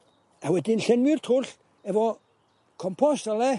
A wedyn llenwi'r twll efo compost fel ne?